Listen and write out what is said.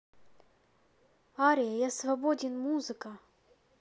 ария я свободен музыка